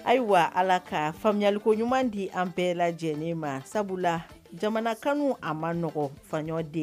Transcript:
Ayiwa ala ka faamuyayaliko ɲuman di an bɛɛ lajɛlenen ma sabula la jamanakan a ma nɔgɔn faɲɔden